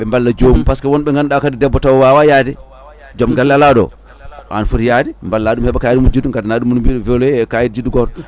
ɓe balla jomum par ce que wonɓe ganduɗa kadi debbo tawa wawa yaade joom galle ala ɗo ko an foti yaade ballaɗum heeɓa kayit mum juddu gandana ɗum volet e kayit juddu goto